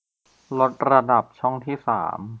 ลดระดับช่องที่สาม